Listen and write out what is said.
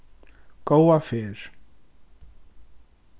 góða ferð